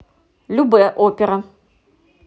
любэ опера